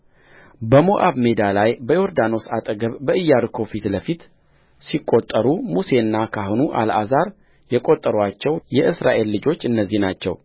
በሞዓብ ሜዳ ላይ በዮርዳኖስ አጠገብ በኢያሪኮ ፊት ለፊት ሲቈጥሩ ሙሴና ካህኑ አልዓዛር የቈጠሩአቸው የእስራኤል ልጆች እነዚህ ናቸው